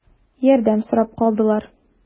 Ярдәм сорап калдылар.